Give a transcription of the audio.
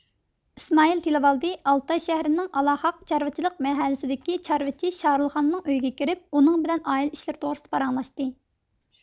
ئىسمائىل تىلىۋالدى ئالتاي شەھىرىنىڭ ئالاخاق چارۋىچىلىق مەھەللىسىدىكى چارۋىچى شارۇلخاننىڭ ئۆيىگە كىرىپ ئۇنىڭ بىلەن ئائىلە ئىشلىرى توغرىسىدا پاراڭلاشتى